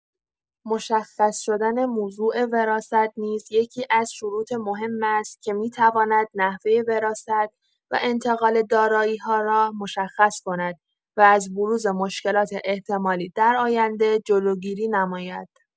مشخص شدن موضوع وراثت نیز یکی‌از شروط مهم است که می‌تواند نحوه وراثت و انتقال دارایی‌ها را مشخص کند و از بروز مشکلات احتمالی در آینده جلوگیری نماید.